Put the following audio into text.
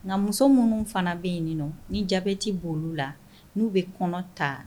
Nka muso minnu fana bɛ yen nin ni jabeti boli la n'u bɛ kɔnɔ ta